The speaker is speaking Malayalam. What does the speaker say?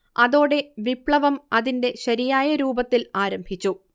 അതോടെ വിപ്ലവം അതിന്റെ ശരിയായ രൂപത്തിൽ ആരംഭിച്ചു